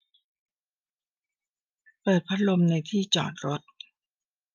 เปิดพัดลมในที่จอดรถ